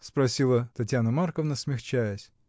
— спросила Татьяна Марковна, смягчаясь.